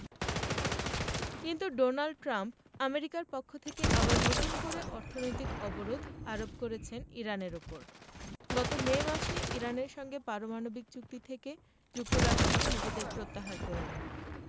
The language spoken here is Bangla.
কিন্তু ডোনাল্ড ট্রাম্প আমেরিকার পক্ষ থেকে আবার নতুন করে অর্থনৈতিক অবরোধ আরোপ করেছেন ইরানের ওপর গত মে মাসে ইরানের সঙ্গে পারমাণবিক চুক্তি থেকে যুক্তরাষ্ট্র নিজেদের প্রত্যাহার করে নেন